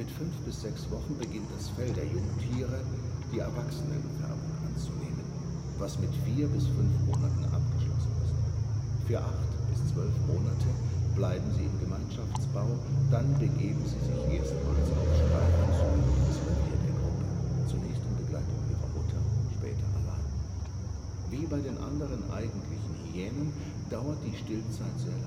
fünf bis sechs Wochen beginnt das Fell der Jungtiere, die Erwachsenenfärbung anzunehmen, was mit vier bis fünf Monaten abgeschlossen ist. Für acht bis zwölf Monate bleiben sie im Gemeinschaftsbau, dann begeben sie sich erstmals auf Streifzüge durch das Revier der Gruppe, zunächst in Begleitung ihrer Mutter, später allein. Wie bei den anderen Eigentlichen Hyänen dauert die Stillzeit sehr